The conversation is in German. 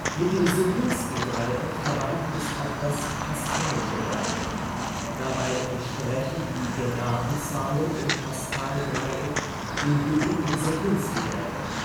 Mit dem Sierpinski-Dreieck verwandt ist auch das pascalsche Dreieck. Dabei entsprechen die geraden Zahlen im Pascal-Dreieck den Lücken im Sierpinski-Dreieck